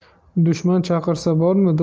dushman chaqirsa borma